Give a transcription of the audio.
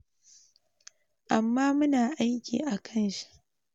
amma mu na aiki akan shi.